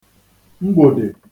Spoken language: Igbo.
mgbòdè